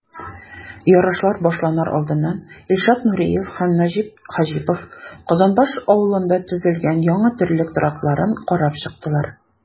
Ярышлар башланыр алдыннан Илшат Нуриев һәм Нәҗип Хаҗипов Казанбаш авылында төзелгән яңа терлек торакларын карап чыктылар.